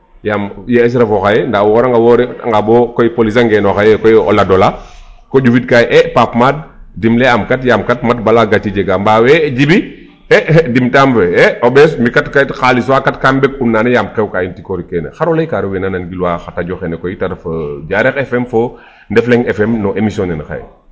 Yaam yees refo xaye ndaa a woranga wor ee o retanga bo police a ngeenoox xaye koy a lay ee o lad ola ko ƴufiid kaye e Pape Made dimle'aam kat. Yaam kat bala gaci jega mbala kat djibi ee damtam fe o ɓees mi' kat xaalis fa kat kaam ɓek'un maana yaam xew ka yiin tikorik kene xayo lay ka rew we naa nangilwa xa radio xene koy ta ref Diarekh FM fo NDef Leng FM no émission nene xaye.